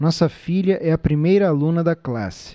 nossa filha é a primeira aluna da classe